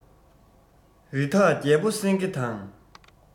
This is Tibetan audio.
རི དྭགས རྒྱལ པོ སེང གེ དང